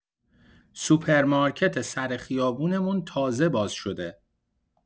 سوپرمارکت سر خیابونمون تازه باز شده.